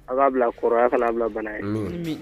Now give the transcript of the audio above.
A ka bila kɔrɔ ye , a ka na bila bana ye. A mii.